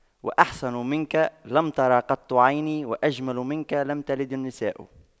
وأحسن منك لم تر قط عيني وأجمل منك لم تلد النساء